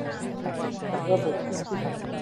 ตัดระบบเครื่องปิ้งขนมปัง